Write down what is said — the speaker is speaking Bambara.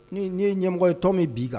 Ni n'i ye ɲɛmɔgɔ ye tɔn bɛ b'i kan